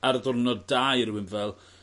ar y ddiwrnod da i rywun fel